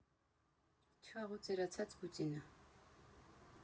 Չաղ ու ծերացած Պուտինը։